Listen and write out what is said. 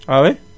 ah oui